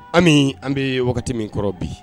Ami an bɛ wagati min kɔrɔ bi